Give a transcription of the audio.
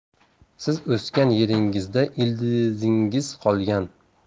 siz o'sgan yeringizda ildizingiz qolgan